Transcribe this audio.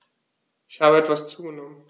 Ich habe etwas zugenommen